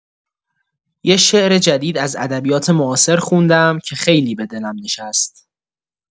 یه شعر جدید از ادبیات معاصر خوندم که خیلی به دلم نشست.